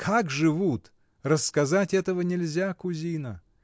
Как живут — рассказать этого нельзя, кузина.